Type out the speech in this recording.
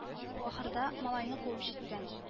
Ахырда малайны куып җиткән